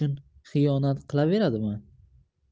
uchun xiyonat qilaveradimi